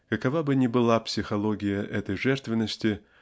Какова бы ни была психология этой жертвенности